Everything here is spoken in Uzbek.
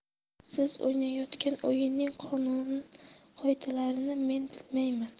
siz o'ynayotgan o'yinning qonun qoidalarini men bilmayman